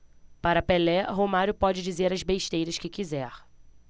para pelé romário pode dizer as besteiras que quiser